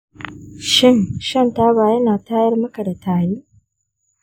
shin shan taba yana tayar maka da tari?